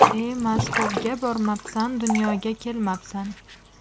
e maskovga bormabsan dunyoga kelmabsan